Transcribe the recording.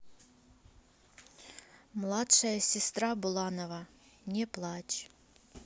младшая сестра буланова не плачь